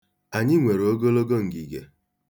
Anyị nwere ogologo ngige.